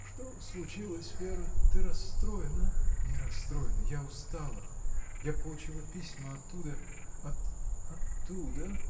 — Что случилось, Вера, ты расстроена? — Не расстроена, а устала. Я получила письма оттуда, от. — Оттуда?